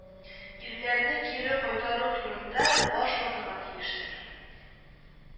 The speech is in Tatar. Ирләрне кире кайтару турында баш ватарга тиештер